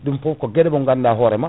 ɗum foof ko gueɗe mo ganduɗa hoorema